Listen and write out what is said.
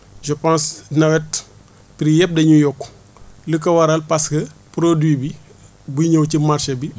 je pense nawet prix yëpp dañuy yokku li ko waral parce que produit bi buy ñëw ci marché bi